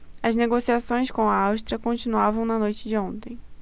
as negociações com a áustria continuavam na noite de ontem